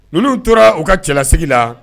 Ninnu tora u ka cɛlasigi la